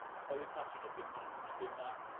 bio passport be' ma' nw'n be' ma'